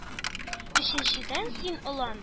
Өченчедән... Син, олан,